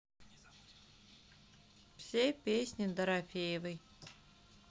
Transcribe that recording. все песни дорофеевой